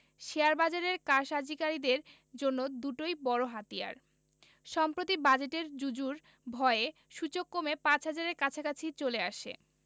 শেয়ারবাজারের কারসাজিকারীদের জন্য দুটোই বড় হাতিয়ার সম্প্রতি বাজেটের জুজুর ভয়ে সূচক কমে ৫ হাজারের কাছাকাছি চলে আসে